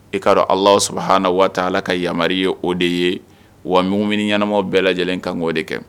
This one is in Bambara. I ka ala saba huna waa ala ka yama ye o de ye wa minnumini ɲɛnaɛnɛmaw bɛɛ lajɛlen ka' o de kɛ